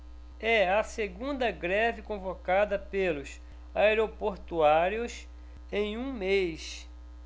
é a segunda greve convocada pelos aeroportuários em um mês